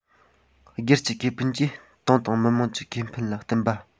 སྒེར གྱི ཁེ ཕན གྱིས ཏང དང མི དམངས ཀྱི ཁེ ཕན ལ བསྟུན པ